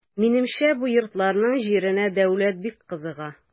Минемчә бу йортларның җиренә дәүләт бик кызыга.